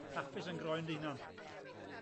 Hapus yn groen dy unan.